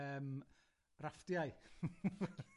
Yym, rafftiau.